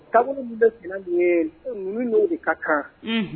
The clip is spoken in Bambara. Tabolo min bɛ senan ni yeee Ninu ni e de ka kan, unhun